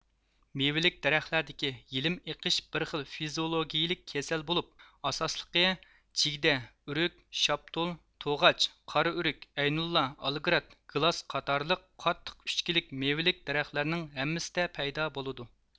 مېۋىلىك دەرەخلەردىكى يېلىم ئېقىش بىر خىل فىزىئولوگىيىلىك كېسەل بولۇپ ئاساسلىقى جىگدە ئۆرۈك شاپتۇل توغاچ قارائۆرۈك ئەينۇلا ئالگرات گىلاس قاتارلىق قاتتىق ئۈچكىلىك مېۋىلىك دەرەخلەرنىڭ ھەممىسىدە پەيدا بولىدۇ